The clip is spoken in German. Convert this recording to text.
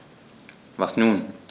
Was nun?